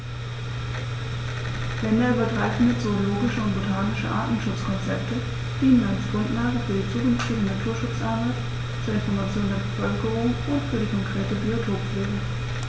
Länderübergreifende zoologische und botanische Artenschutzkonzepte dienen als Grundlage für die zukünftige Naturschutzarbeit, zur Information der Bevölkerung und für die konkrete Biotoppflege.